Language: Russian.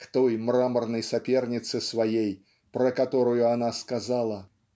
к той мраморной сопернице своей, про которую она сказала